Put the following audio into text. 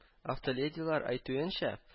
Автоледилар әйтүенчә